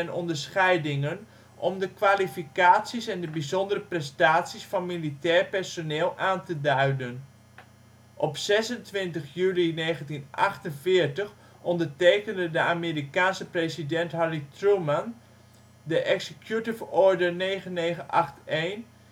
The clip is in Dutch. onderscheidingen om de kwalificaties en de verwezenlijkingen van militair personeel aan te duiden. Op 26 juli 1948 ondertekende de Amerikaanse president Harry Truman de Executive Order 9981 die